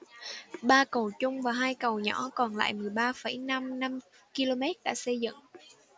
ba cầu trung và hai cầu nhỏ còn lại mười ba phẩy năm năm ki lô mét đã xây dựng